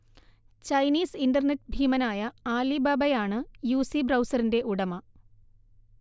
Chinese internet ഭീമനായ ആലിബാബയാണ് UC ബ്രൗസറിന്റെ ഉടമ